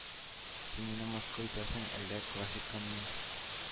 Син мине мыскыл итәсеңме әллә классиканымы